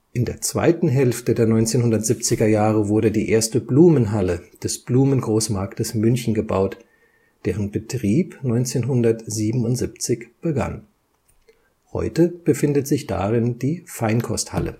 In der zweiten Hälfte der 1970er Jahre wurde die erste Blumenhalle des Blumengroßmarktes München gebaut, deren Betrieb 1977 begann (heute befindet sich darin die Feinkosthalle